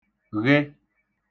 -ghị